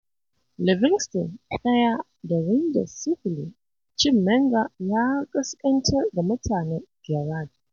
Livingston 1 da Rangers 0: Cin Menga ya ƙasƙantar da mutanen Gerrard